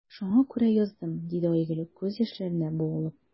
Шуңа күрә яздым,– диде Айгөл, күз яшьләренә буылып.